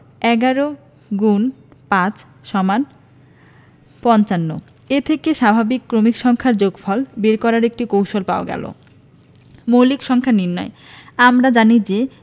১১*৫=৫৫ এ থেকে স্বাভাবিক ক্রমিক সংখ্যার যোগফল বের করার একটি কৌশল পাওয়া গেল মৌলিক সংখ্যা নির্ণয় আমরা জানি যে